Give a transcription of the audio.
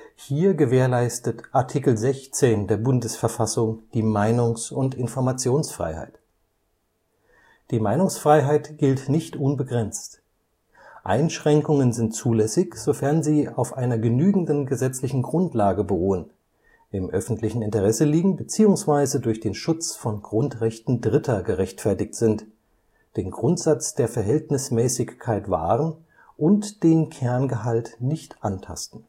Hier gewährleistet Art. 16 der Bundesverfassung die Meinungs - und Informationsfreiheit. Die Meinungsfreiheit gilt nicht unbegrenzt. Einschränkungen sind zulässig, sofern sie auf einer genügenden gesetzlichen Grundlage beruhen, im öffentlichen Interesse liegen bzw. durch den Schutz von Grundrechten Dritter gerechtfertigt sind, den Grundsatz der Verhältnismässigkeit wahren und den Kerngehalt nicht antasten